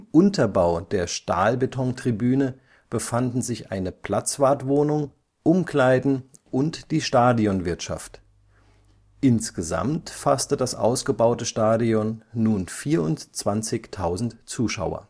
Unterbau der Stahlbetontribüne befanden sich eine Platzwartwohnung, Umkleiden und die Stadionwirtschaft. Insgesamt fasste das ausgebaute Stadion nun 24.000 Zuschauer